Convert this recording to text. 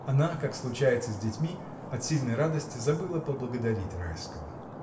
Она, как случается с детьми, от сильной радости, забыла поблагодарить Райского.